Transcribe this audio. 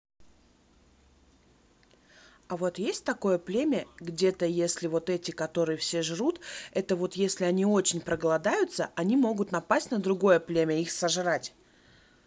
а вот есть такое племя где то если вот эти которые все жрут это вот если они очень проголодаются они могут напасть на другое племя их сожрать